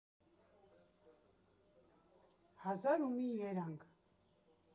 Հազար ու մի երանգ։